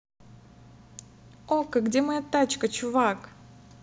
okko где моя тачка чувак